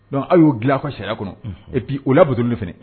Dɔnku aw y'u dilan ka sariya kɔnɔ ɛpi u la dond fɛ